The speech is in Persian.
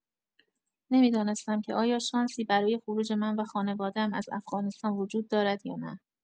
نمی‌دانستم که آیا شانسی برای خروج من و خانواده‌ام از افغانستان وجود دارد یا نه.